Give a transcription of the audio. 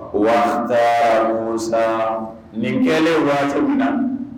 nin kɛɛlen waati min na